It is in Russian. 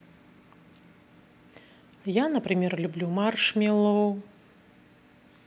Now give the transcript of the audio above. я например люблю маршмеллоу